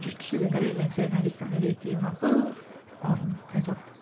Jyst llun y railings. Oedd hynna yn ddigon iddi deimlo ofn Cae Top